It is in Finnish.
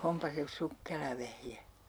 onpa se sukkela vehje